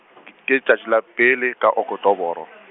k-, ke tšatši la pele, ka Oktobore.